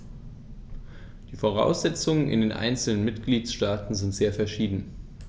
Die Voraussetzungen in den einzelnen Mitgliedstaaten sind sehr verschieden.